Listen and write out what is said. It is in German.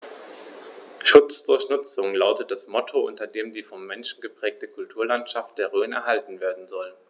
„Schutz durch Nutzung“ lautet das Motto, unter dem die vom Menschen geprägte Kulturlandschaft der Rhön erhalten werden soll.